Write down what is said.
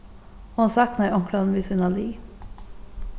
hon saknaði onkran við sína lið